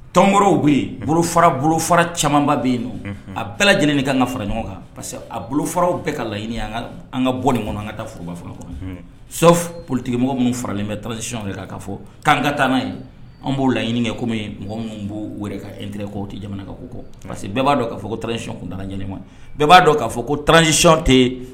Tɔnw bɛ yen bolofafa caman bɛ yen a bɛɛ lajɛlen ka ka fara ɲɔgɔn kan parce que a bolofaraww bɛɛ ka laɲini an ka bɔ nin kɔnɔ an ka taa foroba fana kɔnɔ politigimɔgɔ minnu faralen bɛ taasisiɔn ka fɔ'an ka taa n' an b'o laɲini kɛ kɔmi mɔgɔ minnu b'o wɛrɛ katkaww tɛ jamana ko kɔ parce que bɛɛ b'a dɔn k'a fɔ ko tacykuntan ɲma bɛɛ b'a dɔn'a fɔ ko tasicɔn tɛ